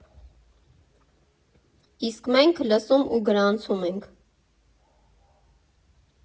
Իսկ մենք լսում ու գրանցում ենք։